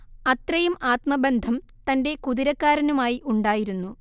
അത്രയും ആത്മബന്ധം തന്റെ കുതിരക്കാരനുമായി ഉണ്ടായിരുന്നു